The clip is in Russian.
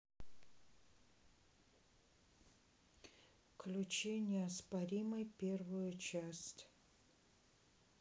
включи неоспоримый первую часть